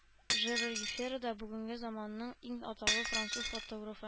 Жерар Юфера да – бүгенге заманның иң атаклы француз фотографы